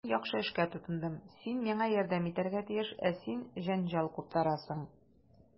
Мин яхшы эшкә тотындым, син миңа ярдәм итәргә тиеш, ә син җәнҗал куптарасың.